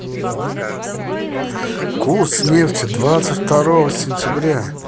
курс нефти двадцать второе сентября